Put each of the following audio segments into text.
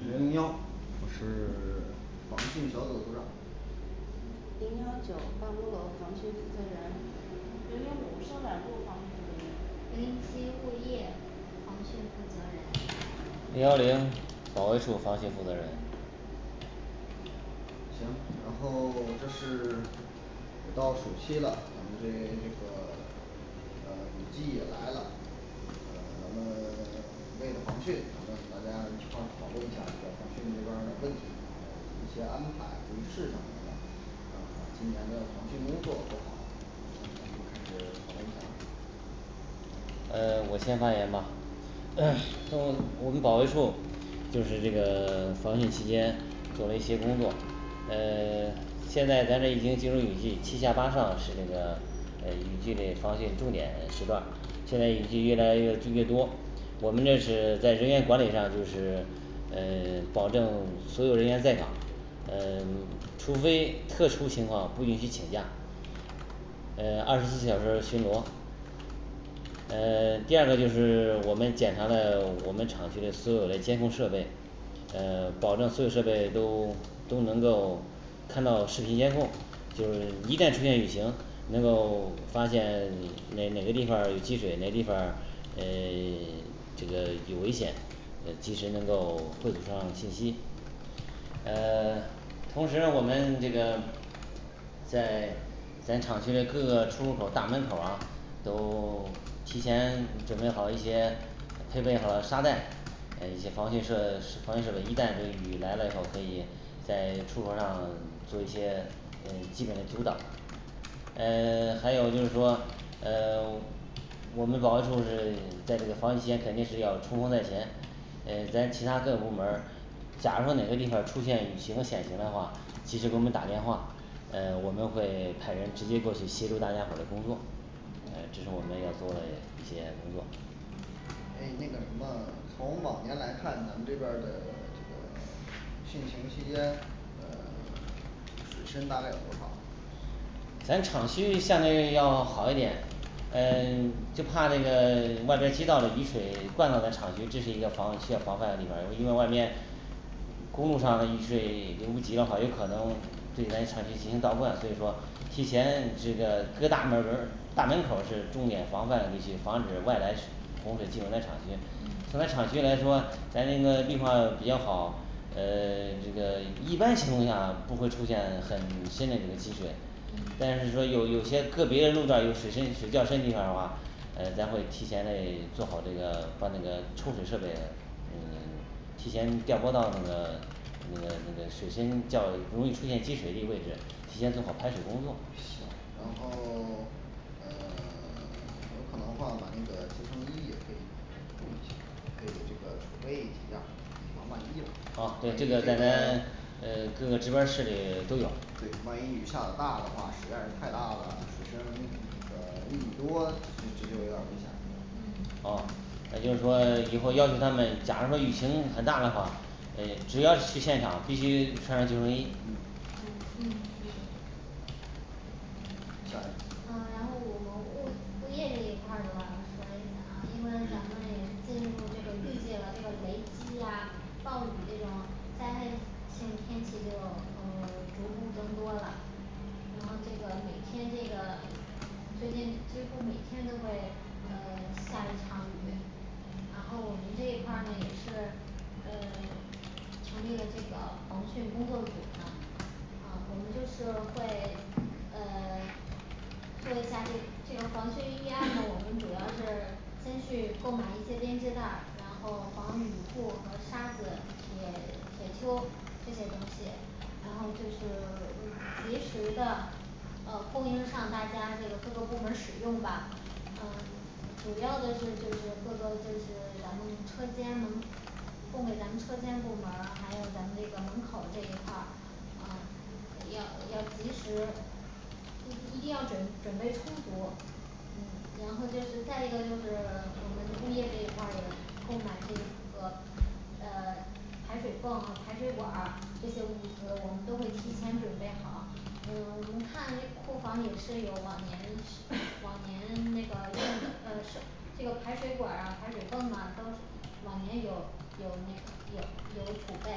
零零 幺我是 防汛小组组长零幺九办公楼防汛负责人零零五生产部防汛负责人零零七物业防汛负责人零幺零保卫处防汛负责人行然后 这是到暑期了我们对那个 呃雨季也来了呃咱们 为了防汛，咱们大家一块儿讨论一下这个防汛这边儿的问题一些安排市场的吧嗯把今年的防汛工作做好。我们开始讨论一下呃我先发言吧。 那么我们保卫处就是这个 防汛期间做了一些工作呃 现在咱这已经进入雨季，七下八上是这个呃雨季的防汛重点时段儿现在雨季越来越越多，我们这是在人员管理上就是呃保证所有人员在岗呃 除非特殊情况不允许请假诶二十四小时巡逻。诶 第二个就是我们检查了我们厂区的所有嘞监控设备，呃 保证所有设备都都能够看到视频监控就是一旦出现雨情，能够发现 哪哪个地方儿有积水，哪个地方儿诶 这个有危险呃及时能够汇总上信息。呃 同时我们这个在咱厂区嘞各个出入口儿大门口儿啊都 提前准备好一些配备好沙袋，诶一些防汛设，防汛设备一旦这雨来了以后，可以在出口儿上做一些呃基本的阻档呃 还有就是说呃 我们保卫处是在这个防汛期间肯定是要冲锋在前呃咱其他各部门儿，假如说哪个地方儿出现雨情和险情的话，及时给我们打电话呃我们会派人直接过去协助大家伙儿的工作，嗯呃这是对我们要做嘞一些工作嗯问你那个什么从往年来看，咱们这边儿的这个汛情期间这个 水深大概有多少啊咱厂区相对要好一点呃 就怕那个 外边儿街道的雨水灌到了厂区，这是一个防需要防范的地方儿因为外边公路上的雨水流不及的话，有可能对咱厂区进行倒灌，所以说提前这个各大门儿大门口儿是重点防范地区防止外来是 洪水进入咱厂区嗯从咱厂区来说，咱那个绿化比较好，呃 这个一般情况下不会出现很深的这个积水嗯但是说有有些个别的路段儿有水深水较深的地方儿的话，呃咱会提前嘞做好这个把这个抽水设备嗯提前调拨到那个那个那个水深较容易出现积水的位置，提前做好排水工作行然后 呃 有可能的话把那个救生衣也都储备一下可以这个储备几件儿以防万一哦对，这个在咱嗯各个值班儿室里都有对万一雨下的大的话实在是太大了，水深这个雨多确实有点儿危险嗯哦也就是说以后要求他们假如说雨情很大的话，诶只要是去现场必须穿上救生衣嗯嗯嗯嗯行嗯下一个嗯然后我们物物业这一块儿的吧说一下啊，因为咱们也是进入这个雨季了，这个雷击啊暴雨这种灾害性天气就呃 逐步增多了然后这个每天这个最近几乎每天都会呃 下一场雨，然后我们这一块儿呢也是呃 成立了这个防汛工作组呢呃我们就是会呃做一下这这个防汛预案呢，我们主要是先去购买一些编织袋儿，然后防雨布儿和沙子、铁铁锹这些东西然后就是 及时的呃供应上大家那个各个部门儿使用吧嗯主要的是就是各个就是咱们车间门供给咱们车间部门儿，还有咱们这个门口儿这一块儿，嗯要要及时，一一一定要准准备充足嗯然后就是再一个就是 我们物业这一块儿也购买些这个呃，排水泵和排水管儿这些物资我们都会提前准备好嗯我们看那库房也是有往年是往年那个用的 呃是这个排水管儿啊排水泵啊都是一往年有有那个有有储备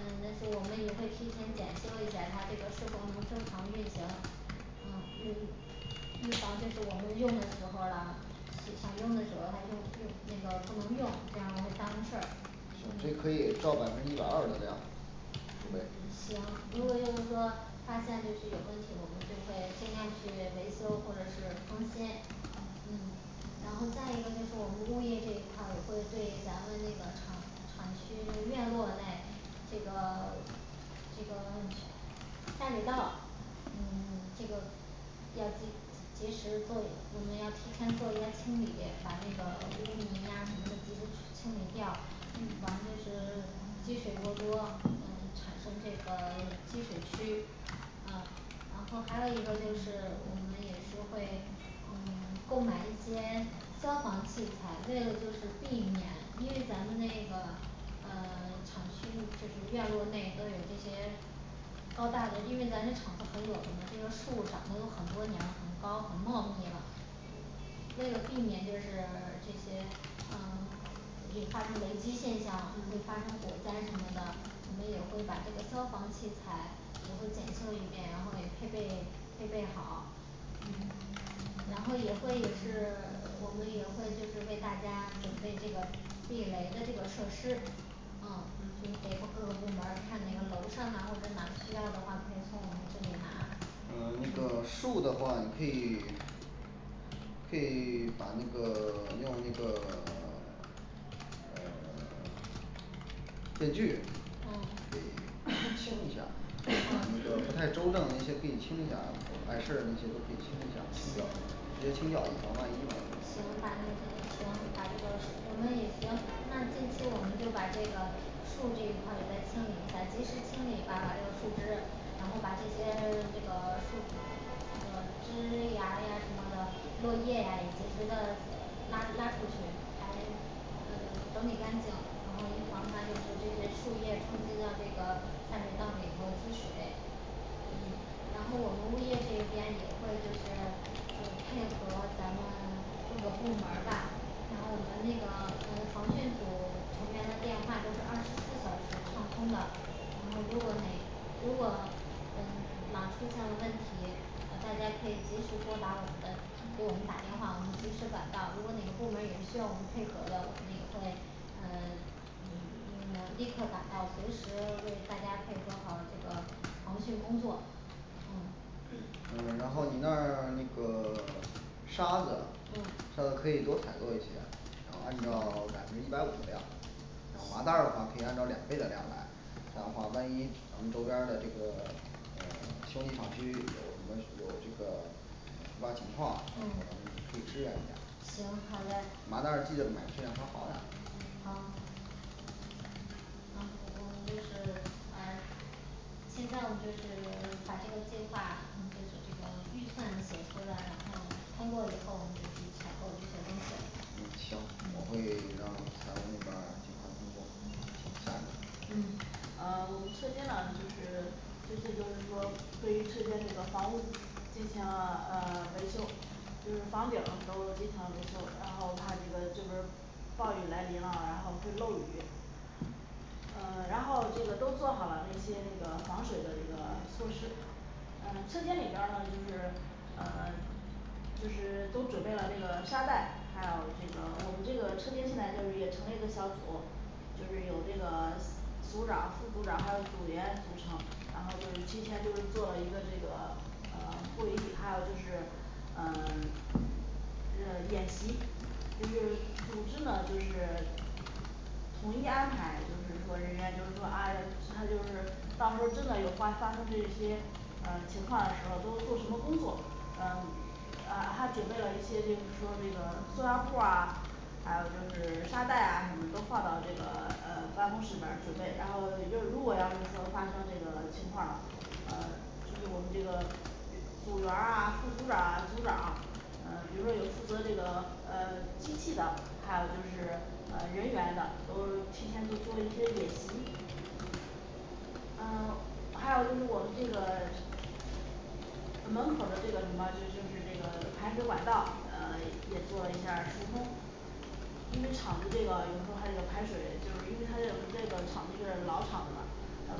嗯但是我们也会提前检修一下它这个是否能正常运行嗯预预防就是我们用的时候儿了，西 想用的时候他用用那个不能用，这样会耽误事儿行这可嗯以照百分之一百二的量嗯嗯行，如果就是说发现就是有问题，我们就会尽量去维修或者是更新嗯嗯然后再一个就是我们物业这一块儿，也会对咱们那个厂厂区院落内这个 这个下水道嗯 这个要及及时做，我们要提前做一下清理，把那个污泥呀什么的及时清理掉，预防就是积水过多嗯产生这个 积水区呃然后还有一个就是我们也是会嗯购买一些消防器材，为了就是避免，因为咱们那个呃 厂区就是院落内都有这些高大的因为咱这厂子很久了嘛，这个树长的有很多年了很高很茂密了为了避免就是 这些嗯也发生雷击现象，会嗯发生火灾什么的，我们也会把这个消防器材也会检修一遍，然后也配备配备好嗯然后也会也是 我们也会就是为大家准备这个避雷的这个设施嗯嗯就是给各个部门儿看哪个楼上呢或者哪儿需要的话，可以从我们这里呃拿那个树的话你可以 可以把那个 用那个 呃 电锯嗯对清 一下嗯 那些可以清一下啊碍事儿的那些都清一下行直接清掉以防万一嘛行，把那个行，把这个树我们也行，那近期我们就把这个树这一块儿也再清理一下，及时清理吧把这个树枝然后把这些这个树这个枝芽呀什么的落叶呀也随时的拉拉出去还呃整理干净然后预防它就是这些树叶冲击到这个下水道里头积水嗯然后我们物业这一边也会就是呃配合咱们各个部门儿吧然后我们那个呃防汛组成员的电话都是二十四小时畅通的。然后如果那如果嗯哪儿出现了问题，呃大家可以及时拨打我们的给我们打电话，我们及时赶到，如果哪个部门儿也是需要我们配合的，我们也会呃嗯能立刻赶到随时为大家配合好这个防汛工作。嗯 然这后你那是儿那个沙子嗯沙子可以多采购一些按照行 百分之一百五的量有麻袋儿的行话可以按照两倍的量来，这样的话万一咱们周边儿的这个 呃兄弟厂区有什么有这个突发情况嗯可以支援一下行好嘞麻袋儿记得买质量稍好点儿的，好然后我们就是 现在我们就是 把这个计划就是这个预算写出来，然后通过以后我们就去采购这些东西嗯行，我会让财务那边儿嗯呃我们车间呢就是最近就是说对于车间这个房屋进行了呃维修，就是房顶儿都进行了维修，然后怕这个这边儿暴雨来临了然后会漏雨，呃然后这个都做好了那些那个防水的一个措施呃车间里边儿呢就是呃就是都准备了这个沙袋，还有这个我们这个车间现在就是也成立个小组就是有这个组儿长、副组儿长还有组员组成，然后就是提前就是做了一个这个呃会议还有就是呃 这个演习就是组织呢就是统一安排，就是说人员就是说啊呀其他的就是到时候真的有发发生这些嗯情况时候都会做什么工作嗯啊还准备了一些就是说这个塑料布儿啊还有就是沙袋啊什么都放到这个呃办公室里边儿准备，然后就是如果要是说发生这个情况儿了呃就是我们这个组员儿啊副组长儿啊组长儿啊，嗯比如说有负责这个呃机器的，还有就是呃人员的都提前都做了一些演习呃还有就是我们这个门口儿的这个什么就是这个排水管道呃也做了一下儿疏通因为厂子这个有时候还得要排水，就是因为他这个这个厂子是老厂子了还有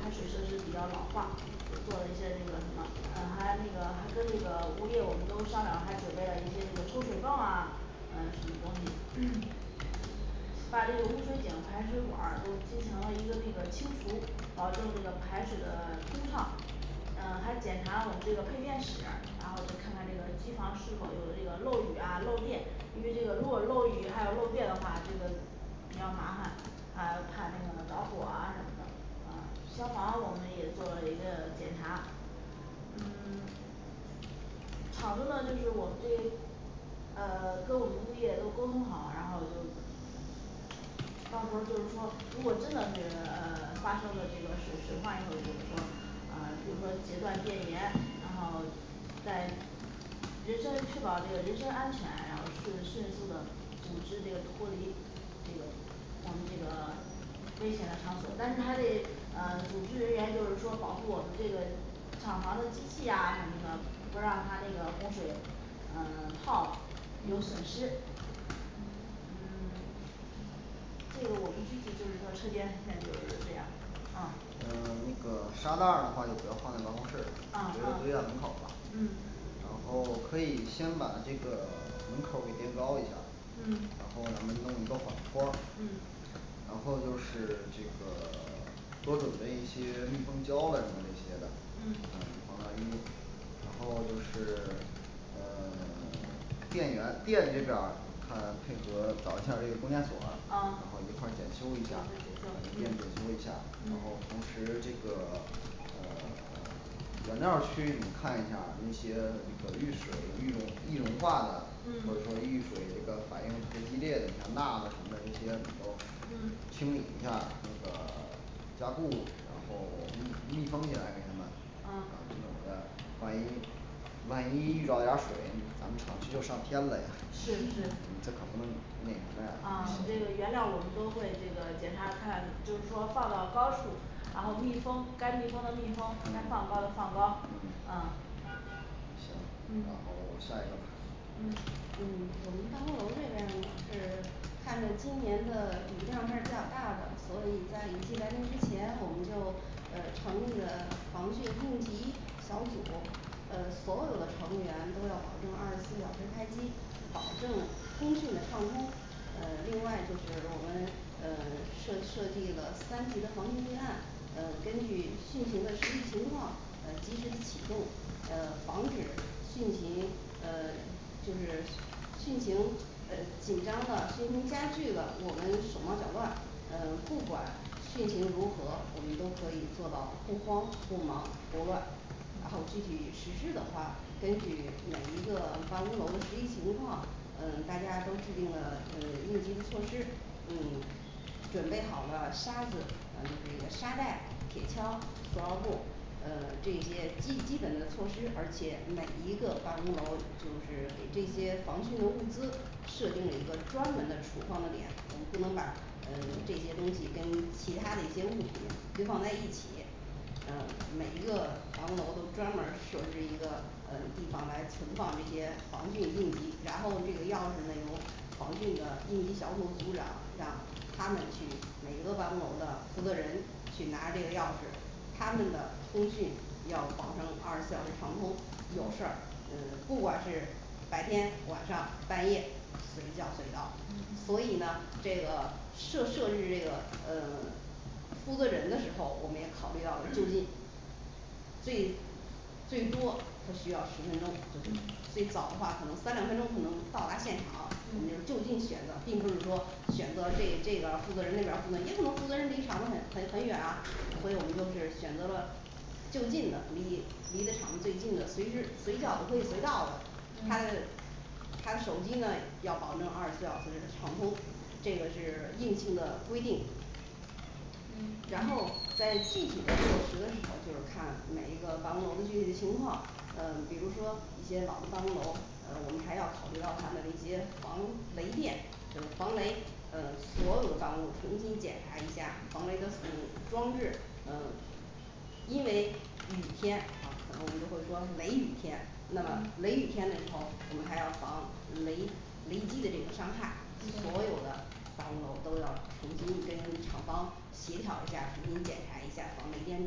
排水设施比较老化，就做了一些这个什么，还那个还跟这个物业我们都商量，还准备了一些这个抽水泵啊呃什么东西 把这个污水井排水管儿都进行了一个那个清除，保证这个排水的通畅嗯还检查了我们这个配电室，然后就看看这个机房是否有这个漏雨啊漏电因为这个如果漏雨还有漏电的话，这个比较麻烦，他怕那个着火啊什么的呃消防我们也做了一个检查嗯 厂子呢就是我们这呃跟我们物业都沟通好，然后就到时候儿就是说如果真的是呃发生了这个水水患以后就是说呃就是说截断电源然后在人身确保这个人身安全，然后迅迅速的组织这个脱离这个我们这个危险的场所但是还得呃组织人员就是说保护我们这个厂房的机器呀什么的，不让它那个洪水呃泡有损失嗯 这个我们具体就是说车间目前就是这样哦嗯那个沙袋儿的话就不要放在办公室了啊直接堆在门口儿啊吧嗯然后可以先把这个门口给垫高一点儿，然后能弄一个反坡儿嗯然后就是这个 多准备一些密封胶了什么这些的啊以嗯防万一然后就是呃 电源电这边儿看配合找一下儿这个供电所儿嗯然嗯后一块儿检修检修一检下电检修嗯修一下，然后嗯同时这个呃 原料儿区域你看一下那些有遇水遇融易融化的，或者嗯说遇水这个反应比较激烈的，什么钠什么的这些你都嗯清理一下这个 加固，然后密密封起来储存，就是嗯呃万一万一遇着点儿水咱们厂区就上天了呀是你是这可不能那什嗯么呀对原料儿我们都会这个检查看看，就是说放到高处然后密封，该密封的密封嗯，该放高的放高嗯啊行，然嗯后下一个嗯嗯我们办公楼这边儿呢是看着今年的雨量还是比较大的，所以在雨季来临之前，我们就呃成立了防汛应急小组呃所有的成员都要保证二十四小时开机，保证通讯的畅通。呃另外就是我们呃设设计了三级的防汛预案呃根据汛情的实际情况，呃及时的启动，呃防止汛情，呃就是汛情呃紧张了，汛情加剧了，我们手忙脚乱呃不管汛情如何，我们都可以做到不慌不忙不乱。然后具体实施的话根据每一个办公楼的实际情况，呃大家都制定了呃应急的措施嗯准备好了沙子、呃这个沙袋、铁锹、塑料布儿呃这一些基基本的措施，而且每一个办公楼就是给这些防汛的物资设定了一个专门的储放点我们不能把呃这些东西跟其他的一些物品堆放在一起，呃每一个办公楼都专门儿设置一个呃地方来存放这些防汛应急，然后这钥匙得由防汛的应急小组组长，让他们去每个办公楼的负责人去拿这个钥匙，他们的通讯要保证二十四小时畅通有嗯事儿呃不管是白天晚上半夜随叫随到嗯，所嗯以呢这个设设置这个嗯负责人的时候，我们也考虑到了附近 最最多他需要十分钟就是嗯最早的话可能三两分钟他能到达现场，我们就是嗯就近选择，并不是说选择这这个负责人那边儿负责，也可能负责人离厂子很很很远啊。所以我们就是选择了就近的离离的厂子最近的随时随叫可以随到的，他的嗯他手机呢要保证二十四小时是畅通，这个是硬性的规定嗯然问你后在具体落实的时候就是看每一个办公楼的具体情况，呃比如说一些老的办公楼，呃我们还要考虑到他们的一些防雷电就是防雷嗯所有房屋重新检查一下防雷的装置。嗯因为雨天啊可能我们就会说是雷雨天那么嗯雷雨天的时候我们还要防雷雷击的这个伤害，嗯对所哦有的办公楼都要重新跟厂方协调一下儿重新检查一下儿防雷电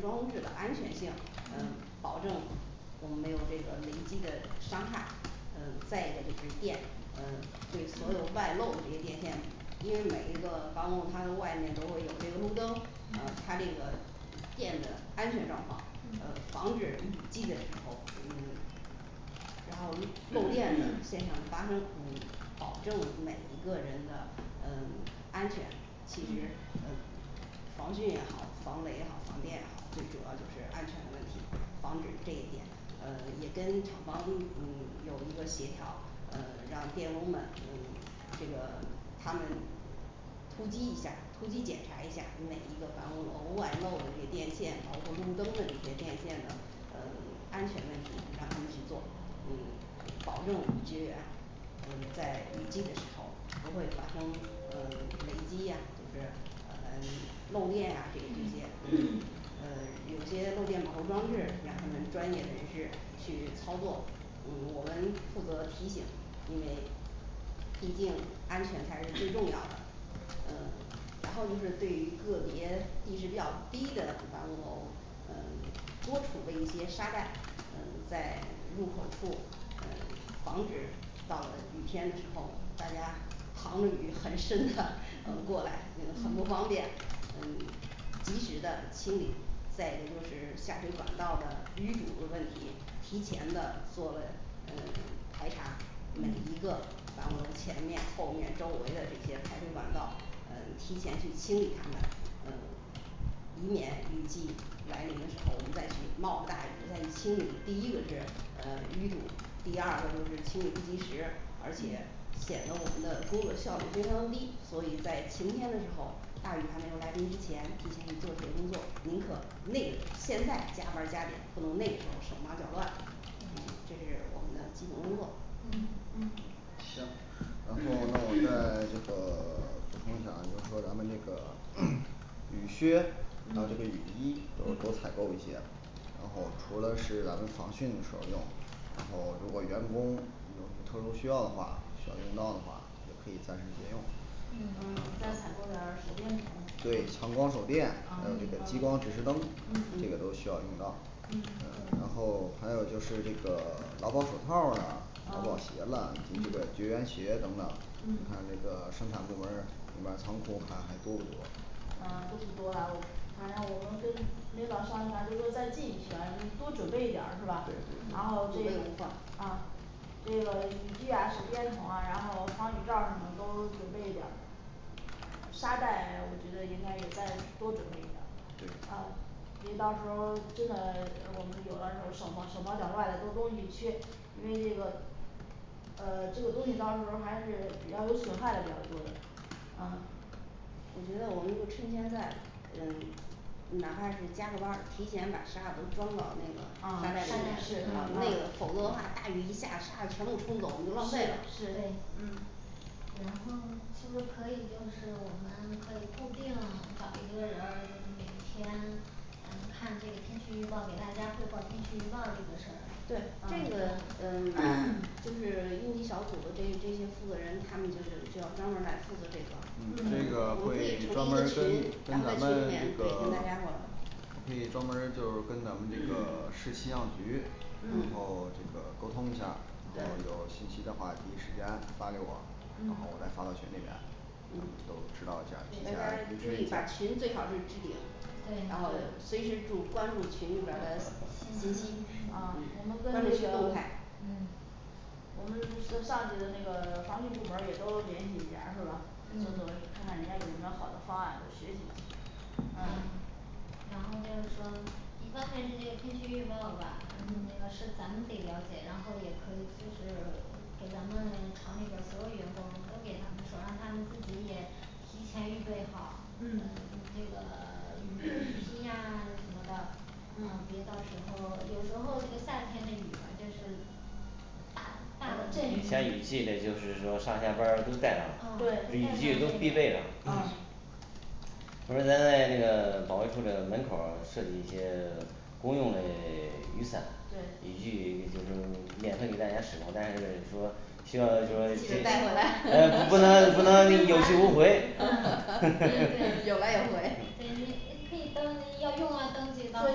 装置的安全性，嗯嗯保证我们没有这个雷击的伤害嗯再一个就是电嗯对所有问你外漏的这些电线，因为每一个防洪它的外面都会有这个路灯呃嗯它这个电的安全状况，呃嗯防止雨季的时候嗯然后我们漏电了，现场发生嗯保证每一个人的嗯安全其实嗯呃防汛也好，防雷也好，防电也好，最主要就是安全的问题。防止这一点呃也跟厂房嗯有一个协调呃让电工们嗯这个他们突击一下突击检查一下每一个办公楼外漏的这电线，包括路灯的这些电线呢呃安全问题让他们去做，嗯保证我们绝缘嗯在雨季的时候不会发生呃雷击呀是呃漏电呀这这些嗯 呃有些漏电保护装置让他们专业人士去操作，嗯我们负责提醒，因为毕竟安全才是最 重要的嗯然后就是对于个别地势比较低的办公楼嗯多储备一些沙袋嗯在入口处呃防止到了雨天的时候，大家淌着雨很深的 过嗯来，这个很不嗯方便嗯及时的清理再一个就是下水管道的淤堵的问题，提前的做了呃排查，每嗯一个把我前面后面周围的这些排水管道嗯提前去清理他们嗯以免雨季来临的时候，我们再去冒着大雨再去清理，第一个是呃淤堵，第二个就是清理不及时，而且嗯显得我们的工作效率非常低，所以在晴天的时候大雨还没有来临之前提前做工作，宁可累，现在加班儿加点，不能那时候手忙脚乱对。这是我们的基本工作嗯嗯嗯行，然后咱们这个 补充一下啊就是说咱们这个 雨靴还有这个雨嗯衣都多采嗯购一些，然后除了是咱们防汛时候儿用然后如果员工特殊需要的话，需要用到的话，也可以暂时先用嗯嗯再采购点儿手电对筒啊强光手电啊，还嗯有这嗯个强光指示灯这个嗯都需要用到的呃然嗯后还有就是这个劳保手套儿了劳保鞋嗯了，这个嗯绝缘鞋等等他嗯那个生产部门儿那边儿仓库还还多不多嗯都不多了，反正我们跟领导商量完就是说再进一些，你多准备一点儿是对吧？对然对后有备无这患啊这个雨具啊手电筒啊，然后防雨罩儿什么都准备一点儿沙袋我觉得应该也再多准备一点儿，对啊别到时候儿真的呃我们有的时候儿手忙手忙脚乱嘞都东西缺，因为这个呃这个东西到时候儿还是比较有损害的比较多的呃我觉得我们就趁现在呃哪怕是加个班儿提前把沙子都装到那嗯个沙沙袋是是里袋嗯里，嗯否则的话大雨一下沙子全部冲走你就是浪费了是对嗯然后是不是可以就是我们可以固定找一个人儿每天嗯看这个天气预报，给大家汇报天气预报这个事儿对这嗯个嗯 就是应急小组的这这些负责人他们就是需要专门儿来负责这个嗯这对个我们可会以专成立门一个儿跟群，然跟后在咱群里们这面对个跟 大家说可以专门儿就是跟咱们这 个市气象局然嗯后这个沟通一下儿对，有信息的话第一时间发给我，然嗯后我再发到群里面我嗯不知道对大家注意把群最好是置顶，然对后对随时注关注群里边儿的信息啊我们关跟注这群动个态我们跟上级的那个防汛部门儿也都联系一下儿是吧做嗯做看看人家有什么好的方案都学习然后就是说一方面是这个天气预报吧那嗯个是咱们得了解，然后也可以就是给咱们厂里边儿所有员工都给他们说，让他们自己也提前预备好嗯嗯这个 雨披呀什么的啊别到时候儿有时候这个夏天的雨吧就是大呃大的阵雨嗯都带像上雨具的就是说上下班儿都带上嗯了，雨对具都必备的嗯不是咱在这个保卫处这个门口儿设计一些公用嘞雨伞，对雨具就是免费给大家使用，但是说需要记就是着说带诶不回来 能不能有去无回嗯对对有 来有回对你也可以登记要用啊登记到做时一